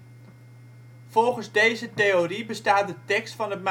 Volgens deze theorie bestaat de tekst van het